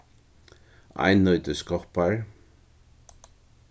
einnýtiskoppar